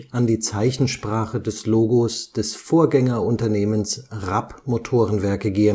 an die Zeichensprache des Logos des Vorgängerunternehmens Rapp Motorenwerke GmbH